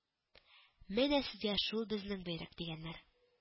Менә сезгә шул безнең боерык,— дигәннәр